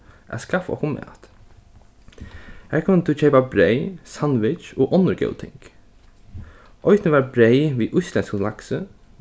at skaffa okkum mat har kundi tú keypa breyð sandwich og onnur góð ting eisini var breyð við íslendskum laksi